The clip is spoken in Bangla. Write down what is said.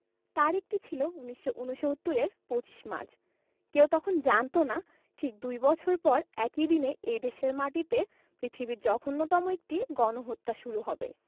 তারিখটি ছিল ১৯৬৯ এর ২৫ মার্চ কেউ তখন জানত না ঠিক দুই বছর পর একই দিনে এই দেশের মাটিতে পৃথিবীর জঘন্যতম একটি গণহত্যা শুরু হবে